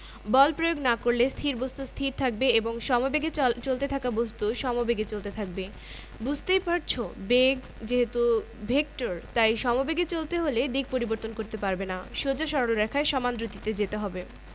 নিরাপদ ভ্রমণে গতি এবং বলের প্রভাব বিশ্লেষণ করতে পারব ভরবেগের সংরক্ষণ সূত্র ও সংঘর্ষ ব্যাখ্যা করতে পারব বিভিন্ন প্রকার ঘর্ষণ এবং ঘর্ষণ বল ব্যাখ্যা করতে পারব